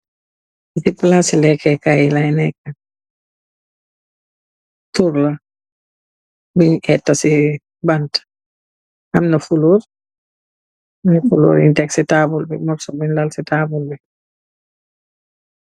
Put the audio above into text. Lii si palaasi leekë kaay yi laay neekë. Kur la, bu ñu etta si banta. Am na fuloor, mooy fuloor yuñge tek si taabul, ak morso buñg tek si taabul bi.